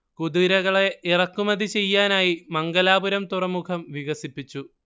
കുതിരകളെ ഇറക്കുമതി ചെയ്യാനായി മംഗലാപുരം തുറമുഖം വികസിപ്പിച്ചു